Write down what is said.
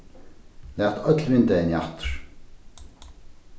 lat øll vindeyguni aftur